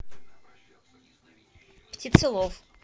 птицелов